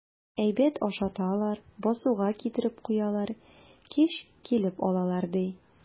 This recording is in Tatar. Әйбәт ашаталар, басуга китереп куялар, кич килеп алалар, ди.